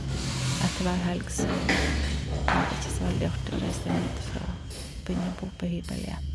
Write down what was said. Etter hver helg så var det ikke så veldig artig å reise jæmmantifra og begynne å bo på hybel igjen.